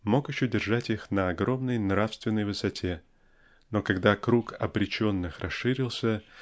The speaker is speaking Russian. мог еще держать их на огромной нравственной высоте но когда круг "обреченных" расширился